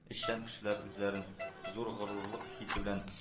Эшчән кешеләр үзләрен, зур горурлык хисе белән: